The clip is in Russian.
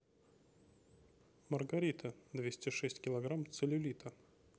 маргарита двести шесть килограмм целлюлита